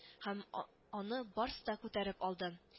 Һәм а аны барсы да күтәреп алды: